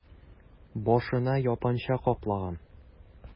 Башына япанча каплаган...